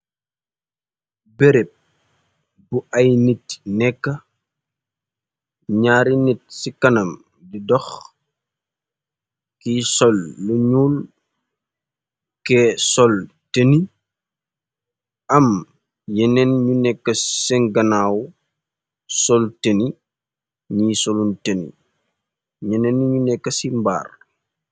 Bereb bu ay nit nekk ñaari nit ci kanam di dox kiy sol lu ñuul ke sol teni am yeneen ñu nekk senganaaw sol teni ñiy solun teni ñeneen n ñu nekk ci mbaar.